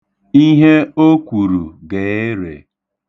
Ihe o kwuru ga-ere.